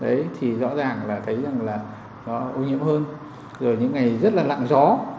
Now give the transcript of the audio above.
đấy thì rõ ràng là thấy rằng là nó ô nhiễm hơn rồi những ngày rất là lặng gió